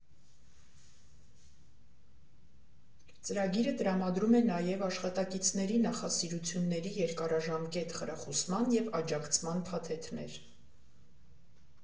Ծրագիրը տրամադրում է նաև աշխատակիցների նախասիրությունների երկարաժամկետ խրախուսման և աջակցման փաթեթներ։